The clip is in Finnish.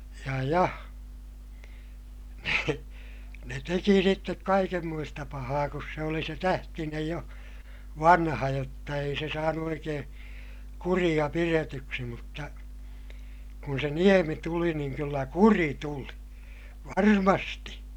ja ja ne ne teki sitten kaikenmoista pahaa kun se oli se Tähtinen jo vanha jotta ei se saanut oikein kuria pidetyksi mutta kun se Niemi tuli niin kyllä kuri tuli varmasti